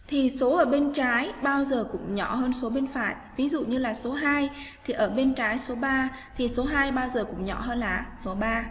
thì số ở bên trái bao giờ cũng nhỏ hơn số biên phủ ví dụ như là số hai thì ở bên trái số thì số bao giờ cũng nhỏ hơn á số